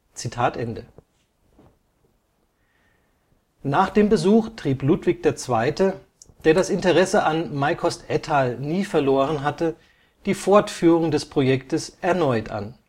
Versailles. “Nach dem Besuch trieb Ludwig II., der das Interesse an Meicost Ettal nie verloren hatte, die Fortführung des Projektes erneut an